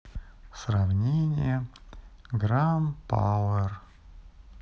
сравнение гран пауэр